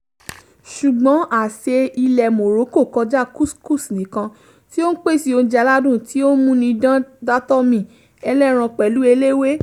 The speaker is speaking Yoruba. Ṣùgbọ́n àsè ilẹ̀ Morocco kọjá couscous nìkan, tí ó ń pèsè oúnjẹ aládùn tí ó ń múni dátọ́ mì, ẹlẹ́ran pẹ̀lú eléwé.